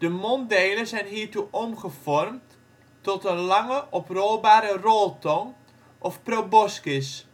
monddelen zijn hiertoe omgevormd tot een lange, oprolbare roltong of proboscis